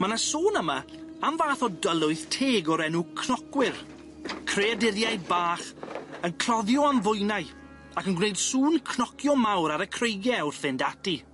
Ma' 'na sôn yma am fath o dylwyth teg o'r enw cnocwyr, creaduriaid bach yn cloddio am fwynau, ac yn gwneud sŵn cnocio mawr ar y creigie wrth fynd ati.